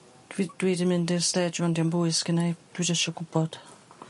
Dwi dwi 'di mynd i'r stage rŵan 'di o'm bwys gynnai dwi jys sho gwbod.